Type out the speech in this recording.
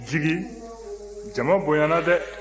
jigi jama bonyana dɛ